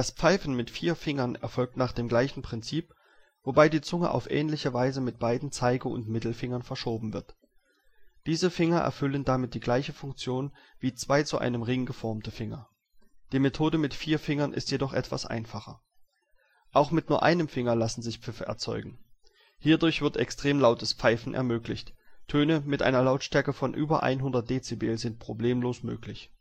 Pfeifen mit vier Fingern erfolgt nach dem gleichen Prinzip, wobei die Zunge auf ähnliche Weise mit beiden Zeige - und Mittelfingern verschoben wird. Diese Finger erfüllen damit die gleiche Funktion wie zwei zu einem Ring geformte Finger. Die Methode mit vier Fingern ist jedoch etwas einfacher. Auch mit nur einem Finger lassen sich Pfiffe erzeugen. Hierdurch wird extrem lautes Pfeifen ermöglicht, Töne mit einer Lautstärke von über 100dB (A) sind problemlos möglich